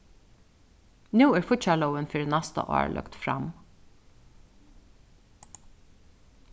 nú er fíggjarlógin fyri næsta ár løgd fram